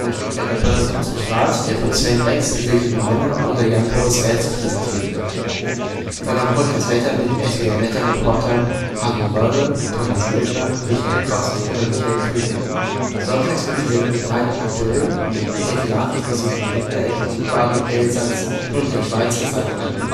Stuttgarter Börse ausgestrahlt, der von Michael Saunders, Sven Rex, Silke Gmeiner oder Jan Boris Rätz präsentiert wird. Danach folgt das Wetter mit den SWR-Wetterreportern Harry Röhrle, Thomas Miltner, Michael Kost oder Michael Kögel. Sonntags die Sendung Dreiland aktuell, in der die Nachrichten aus dem Dreiländereck Südbaden, Elsass und der Schweiz gezeigt werden